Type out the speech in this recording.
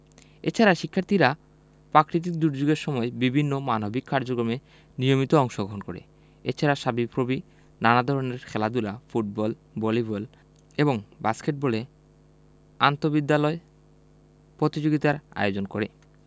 এছাড়া শিক্ষার্থীরা পাকৃতিক দূর্যোগের সময় বিভিন্ন মানবিক কার্যক্রমে নিয়মিত অংশগ্রহণ করে এছাড়া সাবিপ্রবি নানা ধরনের খেলাধুলা ফুটবল ভলিবল এবং বাস্কেটবলে আন্তঃবিদ্যালয় পতিযোগিতার আয়োজন করে